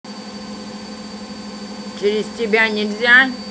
через тебя нельзя